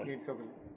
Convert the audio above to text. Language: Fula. ko ɗin sohli